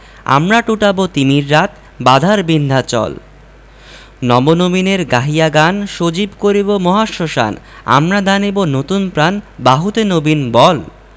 আমরা টুটাব তিমির রাত বাধার বিন্ধ্যাচল নব নবীনের গাহিয়া গান সজীব করিব মহাশ্মশান আমরা দানিব নতুন প্রাণ বাহুতে নবীন বল